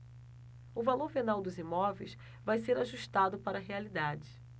o valor venal dos imóveis vai ser ajustado para a realidade